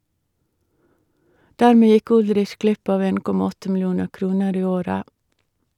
Dermed gikk Ullrich glipp av 1,8 millioner kroner i året.